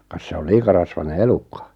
kas se oli liian rasvainen elukka